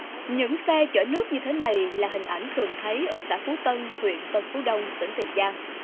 những xe chở nước như thế này là hình ảnh thường thấy ở xã phú tân huyện tân phú đông tỉnh tiền giang